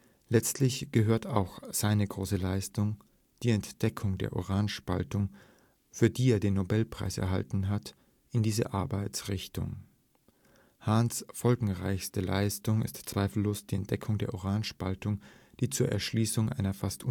Letztlich gehört auch seine größte Leistung, die Entdeckung der Uranspaltung, für die er den Nobelpreis erhalten hat, in diese Arbeitsrichtung. Hahns folgenreichste Leistung ist zweifellos die Entdeckung der Uranspaltung, die zur Erschließung einer fast